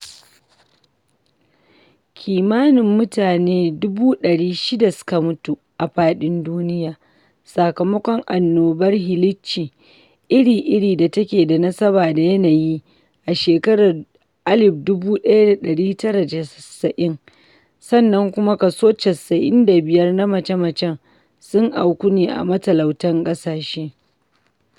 Kimanin mutane 600,000 suka mutu a faɗin duniya sakamakon annobar halicci iri-iri da take da nasaba da yanayi a shekarar 1990 sannan kuma kaso 95 na mace-macen sun auku ne a matalautan ƙasashe